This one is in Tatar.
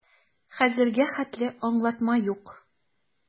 Хәзергә хәтле аңлатма юк.